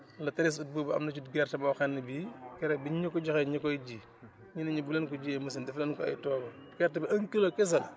le treize août boobu am na ci gerte boo xam ne bii keroog biñ ñu ko joxee ñu koy ji ñu ne ñu bu len ko jiyee machine def leen ko ay toobo gerte bi un kilo kese la